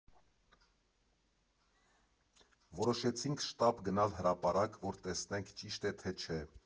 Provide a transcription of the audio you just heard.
Որոշեցինք շտապ գնալ հրապարակ, որ տեսնենք ճիշտ է, թե չէ։